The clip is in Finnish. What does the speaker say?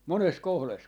monessa kohdassa